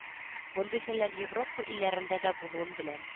Мондый хәлләр европа илләрендә дә булуын беләм